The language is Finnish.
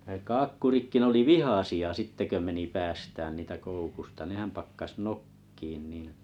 ne kaakkuritkin ne oli vihaisia sitten kun meni päästämään niitä koukusta nehän pakkasi nokkimaan niin